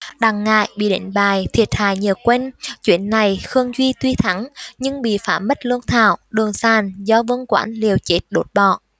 đặng ngải bị đánh bại thiệt hại nhiều quân chuyến này khương duy tuy thắng nhưng bị phá mất lương thảo đường sàn do vương quán liều chết đốt bỏ